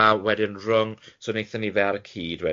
A wedyn rhwng so wnaethon ni fe ar y cyd wedyn